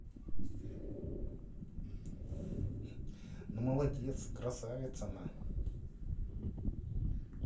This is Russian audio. ну молодец красавица на